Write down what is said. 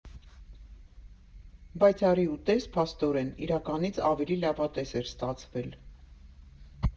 Բայց արի ու տես, փաստորեն, իրականից ավելի լավատես էր ստացվել։